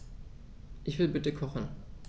Ich will bitte kochen.